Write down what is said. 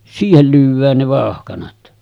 siihen lyödään ne vauhkanat